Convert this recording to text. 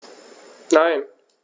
Nein.